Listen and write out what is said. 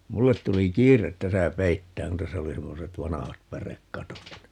minulle tuli kiire tässä peittämään kun tässä oli semmoiset vanhat pärekatot niin